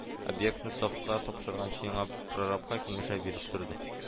Объектны сафка тапшырганчы яңа прорабка киңәшләр биреп торды